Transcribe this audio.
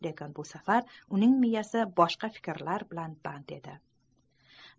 lekin bu safar uning miyasi boshqa fikrlar bilan band edi